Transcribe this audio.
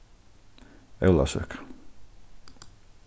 ólavsøka